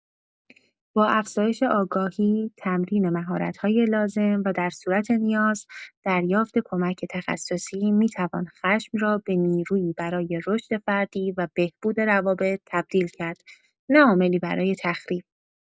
با افزایش آگاهی، تمرین مهارت‌های لازم و در صورت نیاز دریافت کمک تخصصی، می‌توان خشم را به نیرویی برای رشد فردی و بهبود روابط تبدیل کرد، نه عاملی برای تخریب.